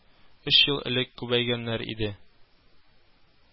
Өч ел элек күбәйгәннәр иде